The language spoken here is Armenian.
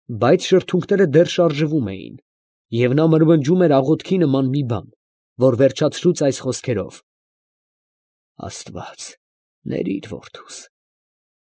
Բայց շրթունքները դեռ շարժվում էին. և նա մրմնջում էր աղոթքի նման մի բան, որ վերջացրուց այս խոսքերով. «Աստված, ների՜ր որդուս»…։